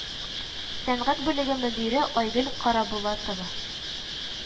Сәнгать бүлеге мөдире айгөл карабулатова